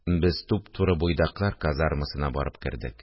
Без туп-туры буйдаклар казармасына барып кердек